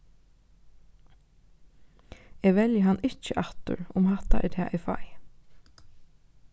eg velji hann ikki aftur um hatta er tað eg fái